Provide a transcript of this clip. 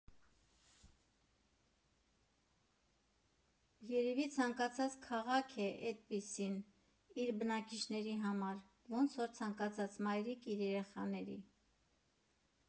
Երևի ցանկացած քաղաք է էդպիսին իր բնակիչների համար, ոնց որ ցանկացած մայրիկ իր երեխաների։